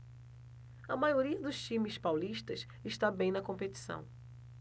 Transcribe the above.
a maioria dos times paulistas está bem na competição